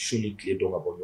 Su ni tile don ka bɔ